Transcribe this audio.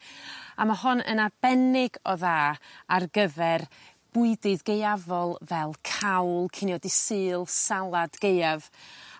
A ma' hon yn arbennig o dda ar gyfer bwydydd Gaeafol fel cawl cinio dy' Sul salad Gaeaf